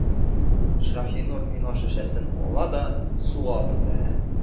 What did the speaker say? Шаһинур вино шешәсен ала да суга атып бәрә.